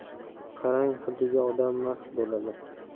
qarang hidiga odam mast bo'ladi